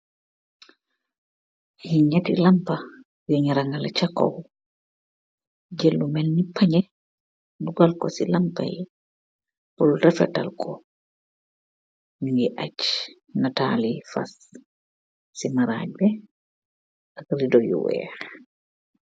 Li nyeti lampah youn rangaleh si kaww jelu mani pajeh dokal ko si lampayeh bul refatal kox nuguh ag natali fass si maragbi ak redox yu weex.